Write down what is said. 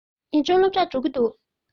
ཉི སྒྲོན སློབ གྲྭར འགྲོ གི འདུག